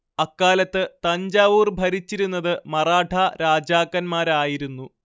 അക്കാലത്ത് തഞ്ചാവൂർ ഭരിച്ചിരുന്നത് മറാഠാ രാജാക്കന്മാരായിരുന്നു